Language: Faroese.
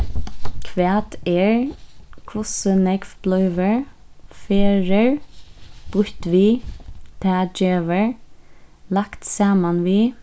hvat er hvussu nógv blívur ferðir býtt við tað gevur lagt saman við